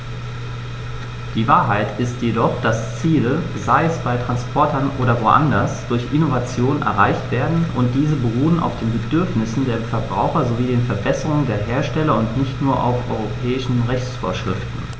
Die Wahrheit ist jedoch, dass Ziele, sei es bei Transportern oder woanders, durch Innovationen erreicht werden, und diese beruhen auf den Bedürfnissen der Verbraucher sowie den Verbesserungen der Hersteller und nicht nur auf europäischen Rechtsvorschriften.